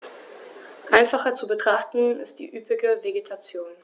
Einfacher zu betrachten ist die üppige Vegetation.